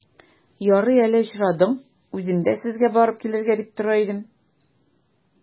Ярый әле очрадың, үзем сезгә барып килергә дип тора идем.